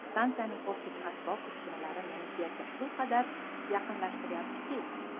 stansiyaning optik asbob uskunalari meni yerga shu qadar yaqinlashtiradiki